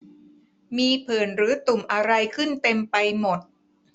มีผื่นหรือตุ่มอะไรขึ้นเต็มไปหมด